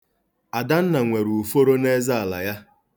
Adanna nwere uforo n'eze ala ya.